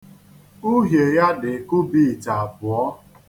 Uhie ya dị kubit abụọ.